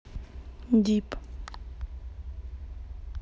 дип